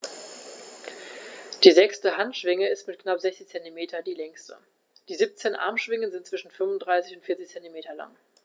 Die sechste Handschwinge ist mit knapp 60 cm die längste. Die 17 Armschwingen sind zwischen 35 und 40 cm lang.